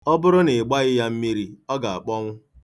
Ọ bụrụ na ị gbaghị ya mmiri, ọ ga-akpọnwụ.